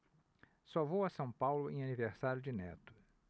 só vou a são paulo em aniversário de neto